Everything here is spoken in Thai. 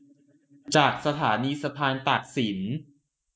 จากสถานีสะพานตากสิน